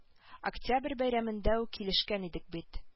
Октябрь бәйрәмендә үк килешкән идек бит